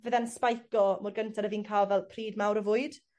fydde'n sbeico mor gynted a fi'n ca'l fel pryd mawr o fwyd.